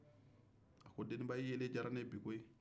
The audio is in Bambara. a ko deninba e yeli jara ne ye bi koyi